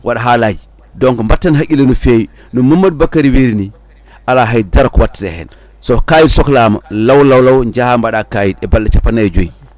waɗa haalaji donc batten haqqille no fewi no Mamadou Bakary wirini ala haydara ko watte hen so kayit sohlama law law jaaha mbaɗa kayit e balɗe capannayyi e joyyi